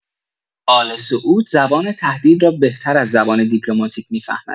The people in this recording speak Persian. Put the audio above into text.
آل‌سعود زبان تهدید را بهتر از زبان دیپلماتیک می‌فهمد.